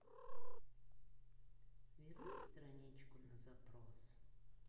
верни страничку на запрос